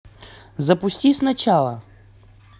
запусти сначала